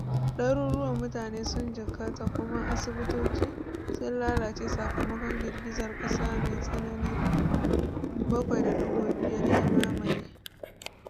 Daruruwan mutane sun jikkata kuma asibitoci, sun lalace sakamakon girgizar kasa mai tsananin 7.5, ya mamaye.